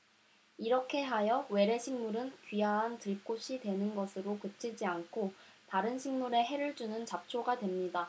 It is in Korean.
이렇게 하여 외래 식물은 귀화한 들꽃이 되는 것으로 그치지 않고 다른 식물에 해를 주는 잡초가 됩니다